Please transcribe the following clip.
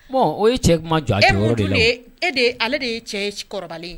Bon o ye cɛ kun ma jɔ , e dun de ye ale de ye cɛ kɔrɔbalen ye